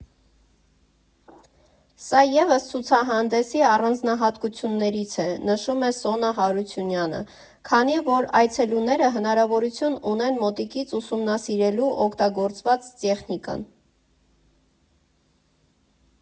Սա ևս ցուցահանդեսի առանձնահատկություններից է, նշում է Սոնա Հարությունյանը, քանի որ այցելուները հնարավորություն ունեն մոտիկից ուսումնասիրելու օգտագործված տեխնիկան։